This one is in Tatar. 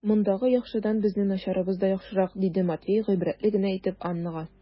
Мондагы яхшыдан безнең начарыбыз да яхшырак, - диде Матвей гыйбрәтле генә итеп Аннага.